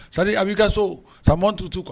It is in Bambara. C'est à dire a b'i ka so ça montre tout quoi